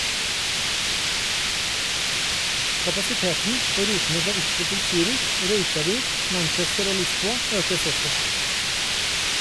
Kapasiteten på rutene fra Oslo til Zürich, Reykjavik, Manchester og Lisboa økes også.